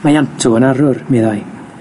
Mae Ianto yn arwr, meddai,